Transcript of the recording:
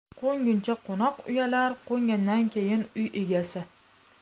qo'nguncha qo'noq uyalar qo'ngandan keyin uy egasi